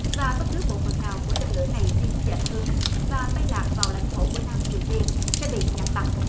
và bất cứ bộ phận nào của tên lửa này đi chệch hướng và bay lạc vào lãnh thổ của nam triều tiên sẽ bị nhắm bắn